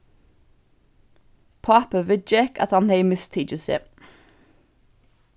pápi viðgekk at hann hevði mistikið seg